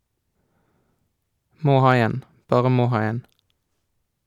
Må ha en, bare må ha en.